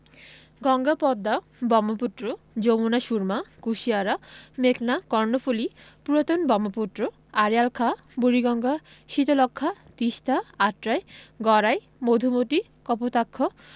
গঙ্গা পদ্মা বহ্মপুত্র যমুনা সুরমা কুশিয়ারা মেঘনা কর্ণফুলি পুরাতন বহ্মপুত্র আড়িয়াল খাঁ বুড়িগঙ্গা শীতলক্ষ্যা তিস্তা আত্রাই গড়াই মধুমতি কপোতাক্ষ